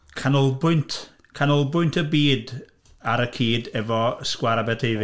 Canolbwynt... canolbwynt y byd, ar y cyd efo sgwâr Aberteifi.